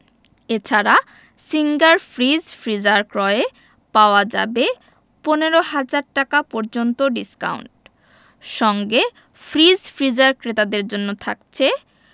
এ ছাড়া Singer fridge freezer ক্রয়ে পাওয়া যাবে ১৫০০০ টাকা পর্যন্ত ডিসকাউন্ট সঙ্গে ফ্রিজ ফ্রিজার ক্রেতাদের জন্য থাকছে